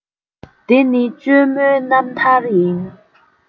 དེ ནི བཅོས མའི རྣམ ཐར ཡིན